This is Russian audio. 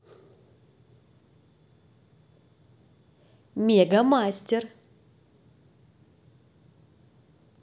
мегамастер